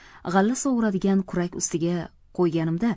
g'alla sovuradigan kurak ustiga qo'yganimda